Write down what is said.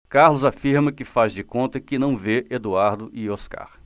carlos afirma que faz de conta que não vê eduardo e oscar